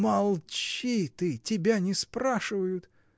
— Молчи ты, тебя не спрашивают!